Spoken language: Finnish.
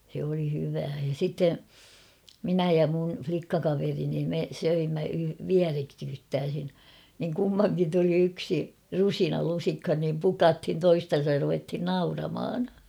se oli hyvää ja sitten minä ja minun likkakaverini me söimme vierekkäin niin kummankin tuli yksi rusina lusikkaan niin pukattiin toisiansa ja ruvettiin - nauramaan